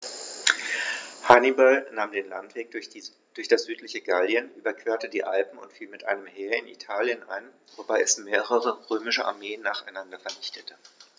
Hannibal nahm den Landweg durch das südliche Gallien, überquerte die Alpen und fiel mit einem Heer in Italien ein, wobei er mehrere römische Armeen nacheinander vernichtete.